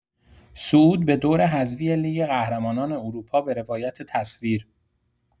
صعود به دور حذفی لیگ قهرمانان اروپا به روایت تصویر